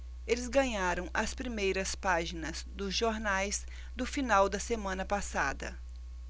eles ganharam as primeiras páginas dos jornais do final da semana passada